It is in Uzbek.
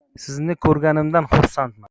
sizni ko'rganimdan xursandman